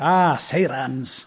Ah, seirans!